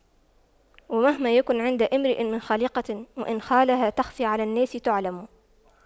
ومهما يكن عند امرئ من خَليقَةٍ وإن خالها تَخْفَى على الناس تُعْلَمِ